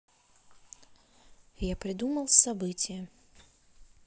я придумал событие